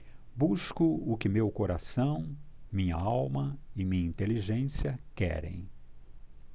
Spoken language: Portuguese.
busco o que meu coração minha alma e minha inteligência querem